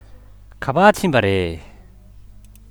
ག པར ཕྱིན པ རེད